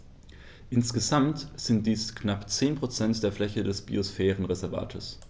Insgesamt sind dies knapp 10 % der Fläche des Biosphärenreservates.